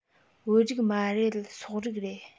བོད རིགས མ རེད སོག རིགས རེད